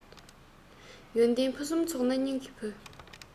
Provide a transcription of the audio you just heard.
ཡོན ཏན ཕུན སུམ ཚོགས ན སྙིང གི བུ